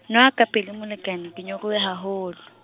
nwa ka pele molekane ke nyorilwe haholo.